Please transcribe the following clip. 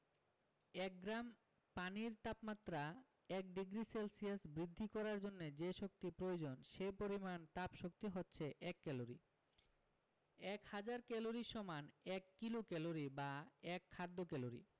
এক গ্রাম পানির তাপমাত্রা ১ ডিগ্রি সেলসিয়াস বৃদ্ধি করার জন্য যে শক্তি প্রয়োজন হয় সে পরিমাণ তাপশক্তি হচ্ছে এক ক্যালরি এক হাজার ক্যালরি সমান এক কিলোক্যালরি বা এক খাদ্য ক্যালরি